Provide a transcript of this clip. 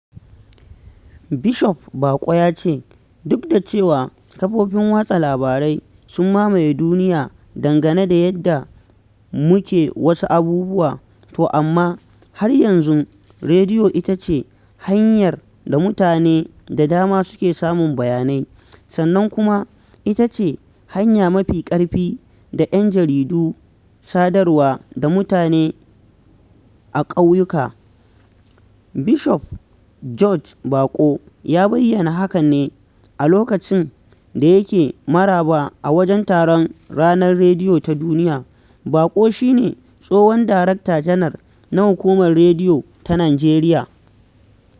Bishop Bako ya ce, "Duka da cewa kafofin watsa labarai sun mamaye duniya dangane da yadda muke wasu abubuwa, to amma har yanzu rediyo ita ce hanyar da mutane da dama suke samun bayanai, sannan kuma ita ce hanya mafi ƙarfi da 'yan jaridu sadarwa da mutane a ƙauyuka..." Bishop George Bako ya bayyana hakan ne a lokacin da yake maraba a wajen taron Ranar Rediyo Ta Duniya. Bako shi ne tsohon Darakta Janar na Hukumar Rediyo Ta Nijeriya.